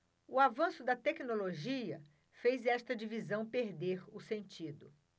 o avanço da tecnologia fez esta divisão perder o sentido